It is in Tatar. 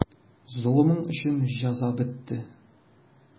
Золымың өчен җәза бетте.